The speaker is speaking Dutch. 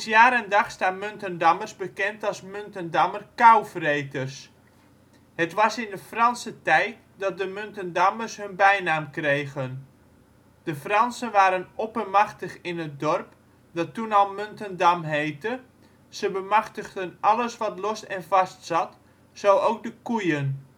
jaar en dag staan Muntendammers bekend als Muntendammer Kouvreters. Het was in de Franse tijd dat de Muntendammers hun bijnaam kregen. De Fransen waren oppermachtig in het dorp dat toen al Muntendam heette. Ze bemachtigden alles wat los en vast zat, zo ook de koeien